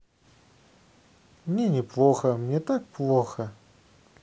мне не плохо мне так плохо